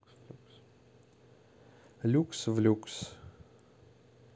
люкс в люкс